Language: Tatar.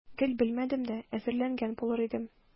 Гел белмәдем дә, әзерләнгән булыр идем.